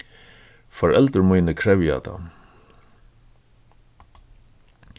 foreldur míni krevja tað